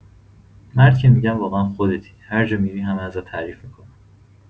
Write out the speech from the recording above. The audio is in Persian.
مرد که می‌گن واقعا خودتی، هر جا می‌ری همه ازت تعریف می‌کنن.